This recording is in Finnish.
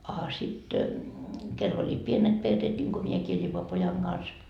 a sitten kenellä oli pienet perheet niin kuin minäkin lipo pojan kanssa